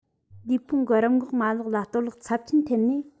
ལུས ཕུང གི རིམས འགོག མ ལག ལ གཏོར བརླག ཚབས ཆེན ཐེབས ནས